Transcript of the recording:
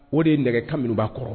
O de ye nɛgɛ ka minnuba kɔrɔ